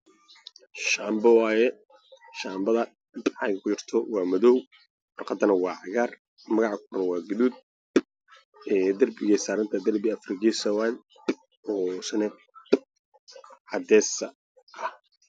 Mise waxaa yaalo shaambo ah shaambo ay ku jirto caadad midabkooda waa midow waxa ay saaran tahay geed la qoray